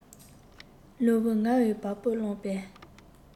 རླུང བུས ངའི བ སྤུ བསླངས པས